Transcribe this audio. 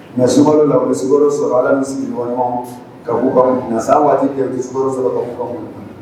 Mɛ si sumaworo la si sɔrɔ ala misi sigiɲɔgɔn ɲɔgɔn ka ka masa waati kɛ sumaworo sɔrɔ ka'u ka mun